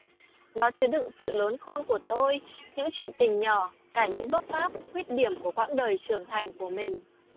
nó chứa đựng sự lớn khôn của tôi những chuyện tình nhỏ cả những vấp váp khuyết điểm của quãng đời trưởng thành của mình